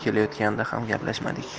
kelayotganda ham gaplashmadik